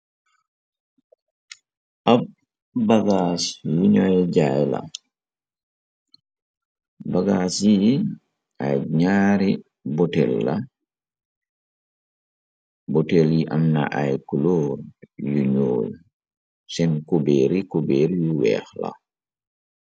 Ab bagaas yu ñooy jaay la bagaas yi ay ñaari botel la botel yi amna ay kuloor yu ñool seen kubeeri cubeer yu weex la.